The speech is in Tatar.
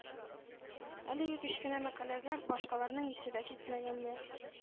Әлеге кечкенә мәкаләгә башкаларның исе дә китмәгәндер,